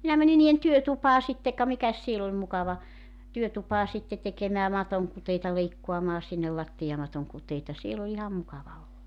minä menin niiden työtupaan sitten ka mikäs siellä oli mukava työtupaan sitten tekemää matonkuteita leikkaamaan sinne lattiamaton kuteita siellä on ihan mukava olo